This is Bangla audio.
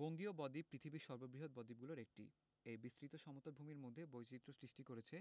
বঙ্গীয় বদ্বীপ পৃথিবীর সর্ববৃহৎ বদ্বীপগুলোর একটি এই বিস্তৃত সমতল ভূমির মধ্যে বৈচিত্র্য সৃষ্টি করেছে